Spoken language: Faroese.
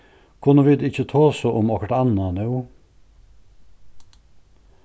kunnu vit ikki tosa um okkurt annað nú